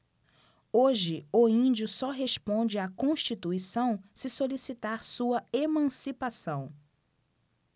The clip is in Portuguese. hoje o índio só responde à constituição se solicitar sua emancipação